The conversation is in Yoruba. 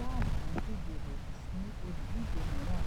Lamb ń díje lòdì sí olùdíje mìíràn,